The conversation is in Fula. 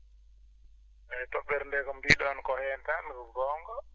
toɓɓere nde ko mbiɗon ko heen tan ko goonga